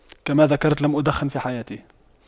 كما ذكرت لم أدخن في حياتي